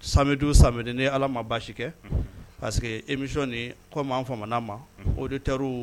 Sadu sad ala ma basi kɛ parceriseke emic ni ko' fa ma o de teriri